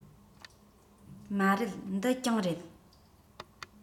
མ རེད འདི གྱང རེད